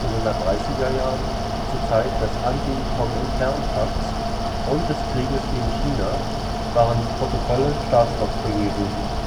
1930er Jahren zur Zeit des Antikominternpakts und des Krieges gegen China waren die Protokolle Staatsdoktrin gewesen